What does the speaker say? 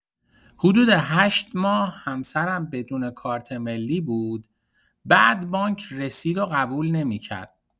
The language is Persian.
حدود ۸ ماه همسرم بدون کارت ملی بود بعد بانک رسید قبول نمی‌کرد